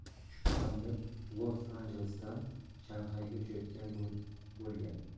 ushbu samolyot los anjelesdan shanxayga uchayotgan bo'lgan